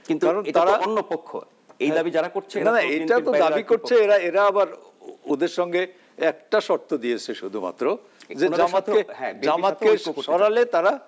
কারণ তারা কিন্তু এ টা তো অন্য পক্ষে এ দাবি যারা করছে না না এরা তো দাবি করছে এরা আবার ওদের সঙ্গে একটা শর্ত দিয়েছে শুধু মাত্র যে জামাতকে সরালে তারা